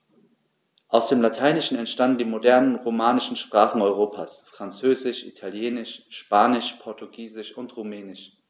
Aus dem Lateinischen entstanden die modernen „romanischen“ Sprachen Europas: Französisch, Italienisch, Spanisch, Portugiesisch und Rumänisch.